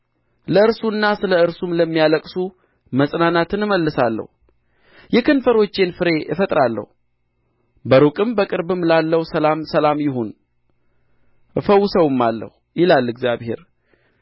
ለእርሱና ስለ እርሱም ለሚያለቅሱ መጽናናትን እመልሳለሁ የከንፈሮችን ፍሬ እፈጥራለሁ በሩቅም በቅርብም ላለው ሰላም ሰላም ይሁን እፈውሰውማለሁ ይላል እግዚአብሔር